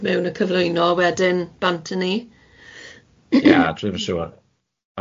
dod mewn a cyflwyno a wedyn bant a ni ... Ie dwi'm yn siŵr.